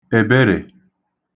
èberè